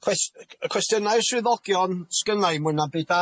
cwest- c- y cwestiynau swyddogion sgynnai mwy na'm byd